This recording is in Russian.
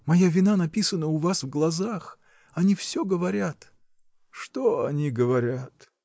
моя вина написана у вас в глазах. Они всё говорят. — Что они говорят?